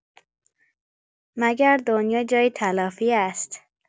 مگر دنیا جای تلافی است؟